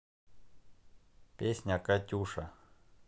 песня катюша